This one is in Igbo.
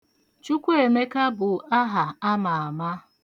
Chukwuemēkā bụ aha ama ama.